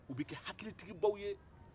o bɛ kɛ hakilitigibaw ye